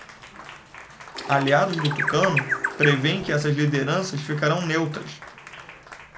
aliados do tucano prevêem que essas lideranças ficarão neutras